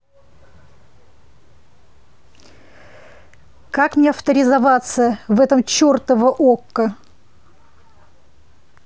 как мне авторизироваться в этом чертово okko